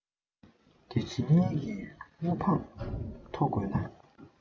འདི ཕྱི གཉིས ཀྱི དབུ འཕང མཐོ དགོས ན